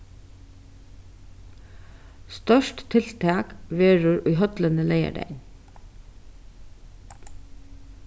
stórt tiltak verður í høllini leygardagin